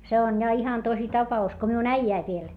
se on ja ihan tosi tapaus kun minun äijäni vielä